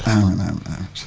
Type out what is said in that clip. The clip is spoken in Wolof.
amii amiin amiin